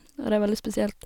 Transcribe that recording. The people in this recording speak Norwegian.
Og det er veldig spesielt.